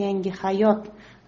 yangi hayot